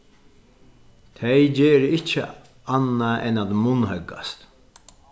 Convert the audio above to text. tey gera ikki annað enn at munnhøggast